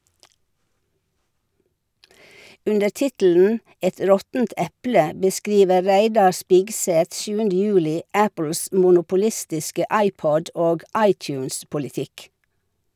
Under tittelen "Et råttent eple" beskriver Reidar Spigseth 7. juli Apples monopolistiske iPod- og iTunes-politikk.